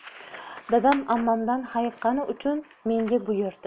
dadam ammamdan hayiqqani uchun menga buyurdi